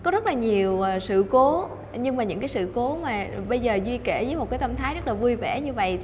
có rất là nhiều à sự cố nhưng mà những cái sự cố mà bây giờ duy kể với một cái tâm thái rất là vui vẻ như vậy